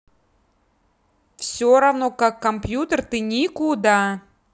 все равно как компьютер ты никуда